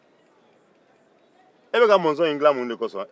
e bɛka monzon in dila mun de kosɔn